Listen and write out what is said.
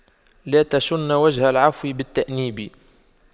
لا تشن وجه العفو بالتأنيب